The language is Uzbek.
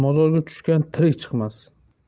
mozorga tushgan tirik chiqmas